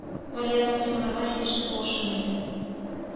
Галиябану еларга җитешеп башын иде